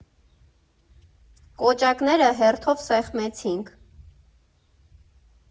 Կոճակները հերթով սեղմեցինք։